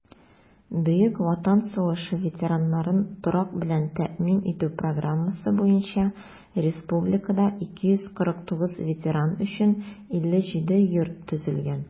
Бөек Ватан сугышы ветераннарын торак белән тәэмин итү программасы буенча республикада 249 ветеран өчен 57 йорт төзелгән.